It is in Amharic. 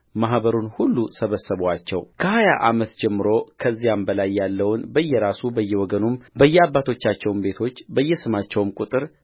ማኅበሩን ሁሉ ሰበሰቡአቸው ከሀያ ዓመት ጀምሮ ከዚያም በላይ ያለውን በየራሱ በየወገኑም በየአባቶቻቸውም ቤቶች በየስማቸው ቍጥር